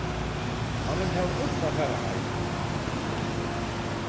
hann vildi hava øll at fara heim